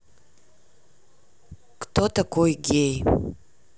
кто такой гей